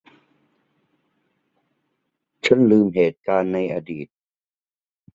ฉันลืมเหตุการณ์ในอดีต